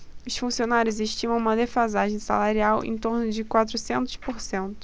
os funcionários estimam uma defasagem salarial em torno de quatrocentos por cento